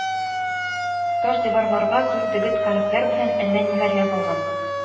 Таш диварларга зур дегет хәрефләр белән әллә ниләр язылган.